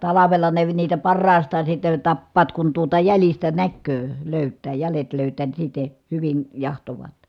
talvella ne niitä parhaastaan sitten tappavat kun tuota jäljistä näkee löytää jäljet löytää niin sitten hyvin jahtaavat